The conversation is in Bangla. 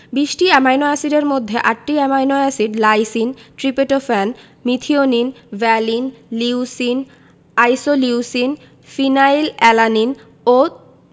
২০টি অ্যামাইনো এসিডের মধ্যে ৮টি amino acid lysine tryptophan methionine valine leucine isoleucine phenylalanine ও